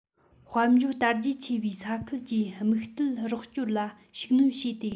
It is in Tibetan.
དཔལ འབྱོར དར རྒྱས ཆེ བའི ས ཁུལ གྱིས དམིགས གཏད རོགས སྐྱོར ལ ཤུགས སྣོན བྱས ཏེ